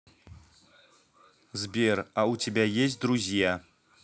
сбер а у тебя есть друзья